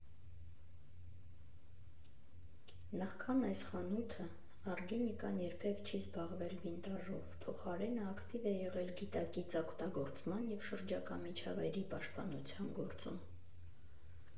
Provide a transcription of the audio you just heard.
Նախքան այս խանութը, Արգենիկան երբեք չի զբաղվել վինտաժով, փոխարենը ակտիվ է եղել գիտակից օգտագործման և շրջակա միջավայրի պաշտպանության գործում։